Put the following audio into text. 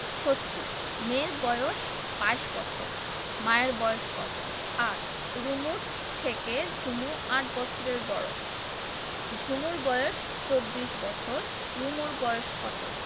৭০ মেয়ের বয়স ২২ বছর মায়ের বয়স কত ৮ রুমুর থেকে ঝুমু ৮ বছরের বড় ঝুমুর বয়স ২৪ বছর রুমুর বয়স কত